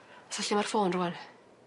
So lle ma'r ffôn rŵan?